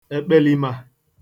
èkpèlìmà